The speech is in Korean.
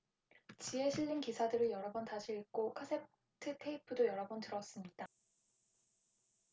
지에 실린 기사들을 여러 번 다시 읽고 카세트테이프도 여러 번 들었습니다